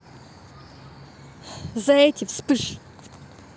за эти вспыш